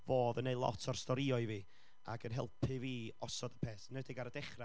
fo oedd yn wneud lot o'r storio i fi, ac yn helpu fi osod y peth, yn enwedig ar y dechrau,